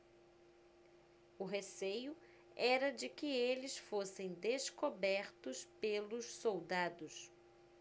o receio era de que eles fossem descobertos pelos soldados